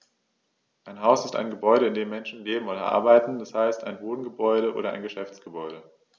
Ein Haus ist ein Gebäude, in dem Menschen leben oder arbeiten, d. h. ein Wohngebäude oder Geschäftsgebäude.